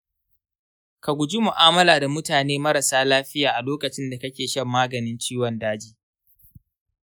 ka guji mu'amala da mutane marasa lafiya a lokacinda kake shan maganin ciwon daji.